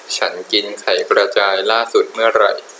ฉันกินไข่กระจายล่าสุดเมื่อไหร่